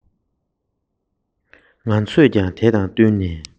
སྐབས དེར ལྷས རའི ནང གི